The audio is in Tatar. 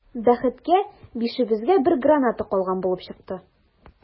Бәхеткә, бишебезгә бер граната калган булып чыкты.